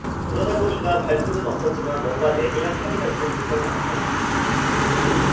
그러다 보니까 발표는 없었지만 뭔가 내밀한 합의가 있었을 것 아니냐